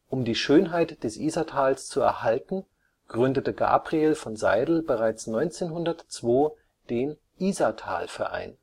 Um die Schönheit des Isartales zu erhalten, gründete Gabriel von Seidl bereits 1902 den Isartalverein